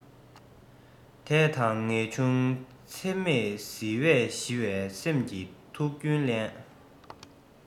དད དང ངེས འབྱུང འཚེ མེད ཟིལ བས ཞི བའི སེམས ཀྱི ཐུགས རྒྱུད བརླན